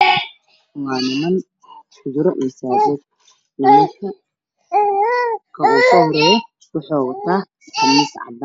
Waa niman ku jiro masaajid nimanka kan ugu so horeeyo wuxu wataa qamiis caddaan